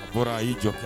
Fɔra y'i jɔ kɛ